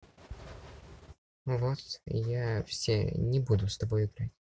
вот я все не буду с тобой играть